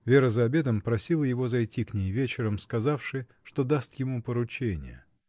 Вера за обедом просила его зайти к ней вечером, сказавши, что даст ему поручение.